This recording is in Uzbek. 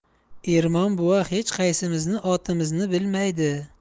ermon buva hech qaysimizni otimizni bilmaydi